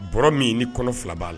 Bɔra min ni kɔnɔ fila b'a la